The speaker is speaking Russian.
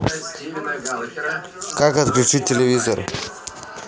как отключить телевизор